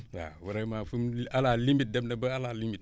waaw vraiment fu mu ñu à la limite dem na ba à la limite